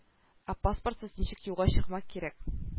Ә паспортсыз ничек юлга чыкмак кирәк